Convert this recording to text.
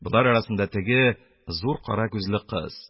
Болар арасында теге, зур кара күзле кыз